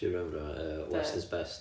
Sir Benfro yy west is best